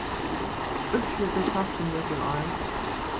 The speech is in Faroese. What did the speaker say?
úrslitið sæst um nøkur ár